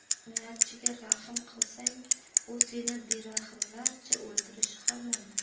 jinoyatchiga rahm qilsang u seni berahmlarcha o'ldirishi ham mumkin